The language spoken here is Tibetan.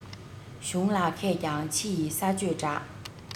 གཞུང ལ མཁས ཀྱང ཕྱི ཡི ས གཅོད འདྲ